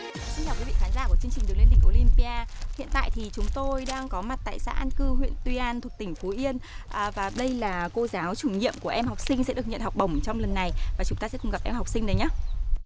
xin chào quý vị khán giả của chương trình đường lên đinh ô lim pi a hiện tại thì chúng tôi đang có mặt tại xã an cư huyện tuy an thuộc tỉnh phú yên à và đây là cô giáo chủ nhiệm của em học sinh sẽ được nhận học bổng trong lần này và chúng ta hãy cùng gặp em học sinh này nhá